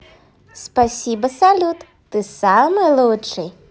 спасибо салют ты самый лучший